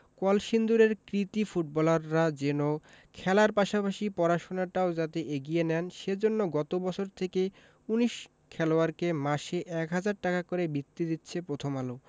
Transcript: কলসিন্দুরের কৃতী ফুটবলাররা যেন খেলার পাশাপাশি পড়াশোনাটাও যাতে এগিয়ে নেয় সে জন্য গত বছর থেকে ১৯ খেলোয়াড়কে মাসে ১ হাজার টাকা করে বৃত্তি দিচ্ছে প্রথম আলো